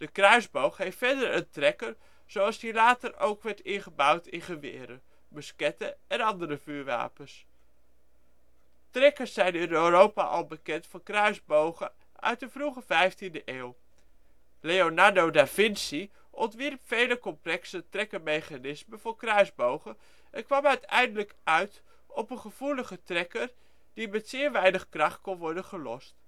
kruisboog heeft verder een trekker, zoals die later ook werd ingebouwd in geweren, musketten en andere vuurwapens. Trekkers zijn in europa al bekend van kruisbogen uit de vroege 15e eeuw. Leonardo da Vinci ontwierp vele complexe trekkermechanismen voor kruisbogen, en kwam uiteindelijk uit op een gevoelige trekker die met zeer weinig kracht kon worden gelost